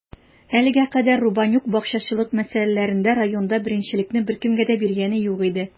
Әлегә кадәр Рубанюк бакчачылык мәсьәләләрендә районда беренчелекне беркемгә дә биргәне юк иде.